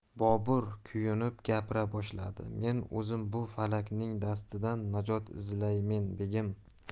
bobur kuyunib gapira boshladi men o'zim bu falakning dastidan najot izlaymen begim